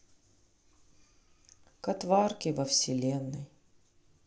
котварки во вселенной